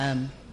Yrm.